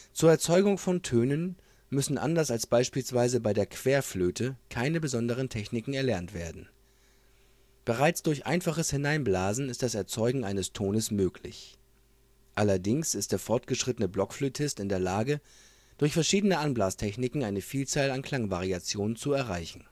Zur Erzeugung von Tönen müssen anders als beispielsweise bei der Querflöte keine besonderen Techniken erlernt werden. Bereits durch einfaches Hineinblasen ist das Erzeugen eines Tones möglich. Allerdings ist der fortgeschrittene Blockflötist in der Lage, durch verschiedene Anblastechniken eine Vielzahl an Klangvariationen zu erreichen